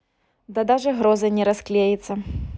да даже грозы не расклеится